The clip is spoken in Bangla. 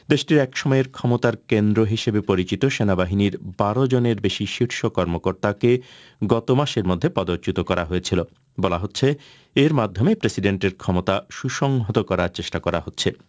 দেশটির এক সময়ের ক্ষমতার কেন্দ্র হিসেবে পরিচিত সেনাবাহিনীর ১২ জনের বেশি শীর্ষ কর্মকর্তাকে গত মাসের মধ্যে পদচ্যুত করা হয়েছিল বলা হচ্ছে এর মাধ্যমে প্রেসিডেন্টের ক্ষমতা সুসংহত করার চেষ্টা করা হচ্ছে